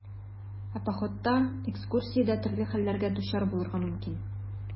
Ә походта, экскурсиядә төрле хәлләргә дучар булырга мөмкин.